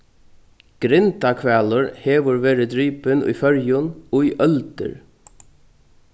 grindahvalur hevur verið dripin í føroyum í øldir